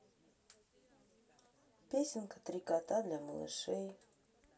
песенка три кота для малышей